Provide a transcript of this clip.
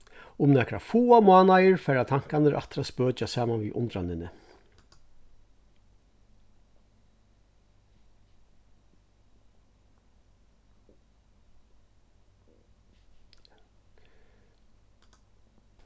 um nakrar fáar mánaðir fara tankarnir aftur at spøkja saman við undranini